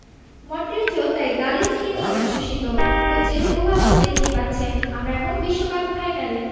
মডরিচও তাই দালিচকে নিয়ে উচ্ছ্বসিত কোচের প্র্রভাব তো দেখতেই পাচ্ছেন আমরা এখন বিশ্বকাপ ফাইনালে